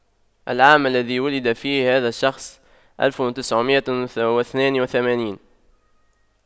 العام الذي ولد فيه هذا الشخص ألف وتسعمئة واثنان وثمانين